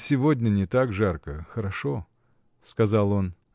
— Сегодня не так жарко, хорошо! — сказал он.